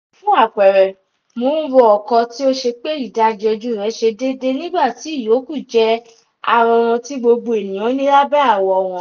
Fún àpẹẹrẹ, mò ń ro ọ̀kan tí ó ṣe pé ìdajì ojú rẹ̀ ṣe déédéé nígbàtí ìyókù jẹ́ aranran tí gbogbo ènìyàn ní lábẹ́ awọ wọn.